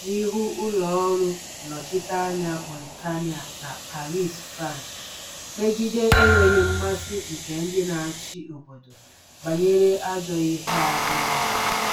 n'ihu ụlọ ọrụ nnọchiteanya Mauritania na Paris, France, megide enweghị mmasị nke ndị na-achị obodo banyere ajọ ihe a mere.